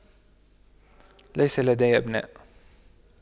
ليس لدي أبناء